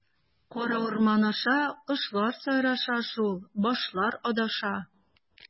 Кара урман аша, кошлар сайраша шул, башлар адаша.